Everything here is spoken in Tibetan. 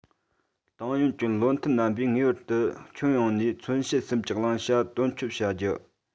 ཏང ཡོངས ཀྱི བློ མཐུན རྣམ པས ངེས པར དུ ཁྱོན ཡོངས ནས མཚོན བྱེད གསུམ གྱི བླང བྱ དོན འཁྱོལ བྱ རྒྱུ